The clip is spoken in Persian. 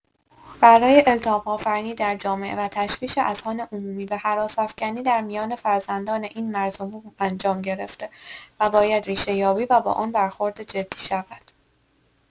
برای التهاب‌آفرینی در جامعه و تشویش اذهان عمومی و هراس‌افکنی در میان فرزندان این مرز و بوم انجام‌گرفته و باید ریشۀابی و با آن برخورد جدی شود.